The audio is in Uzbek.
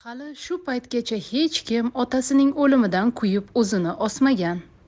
hali shu paytgacha hech kim otasining o'limidan kuyib o'zini osmagan